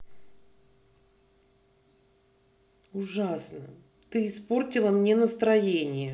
ужасно ты испортила мне настроение